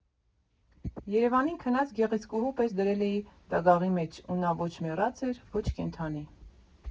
Երևանին քնած գեղեցկուհու պես դրել էին դագաղի մեջ, ու նա ոչ մեռած էր, ոչ կենդանի։